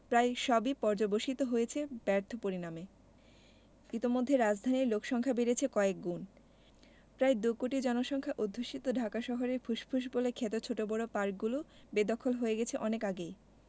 সবই পর্যবসিত হয়েছে ব্যর্থ পরিণামে ইতোমধ্যে রাজধানীর লোকসংখ্যা বেড়েছে কয়েকগুণ প্রায় দুকোটি জনসংখ্যা অধ্যুষিত ঢাকা শহরের ফুসফুস বলে খ্যাত ছোট বড় পার্কগুলো বেদখল হয়ে গেছে অনেক আগেই